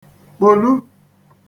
kpolu